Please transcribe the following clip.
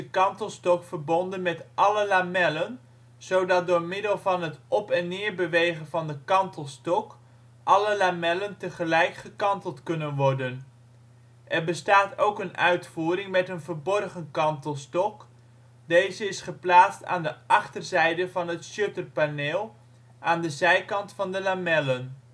kantelstok verbonden met alle lamellen, zodat door middel van het op en neer bewegen van de kantelstok, alle lamellen tegelijkertijd gekanteld kunnen worden. Er bestaat ook een uitvoering met een verborgen kantelstok. Deze is geplaatst aan de achterzijde van het shutterpaneel, aan de zijkant van de lamellen